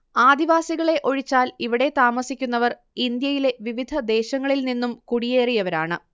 ആദിവാസികളെ ഒഴിച്ചാൽ ഇവിടെ താമസിക്കുന്നവർ ഇന്ത്യയിലെ വിവിധ ദേശങ്ങളിൽനിന്നും കുടിയേറിയവരാണ്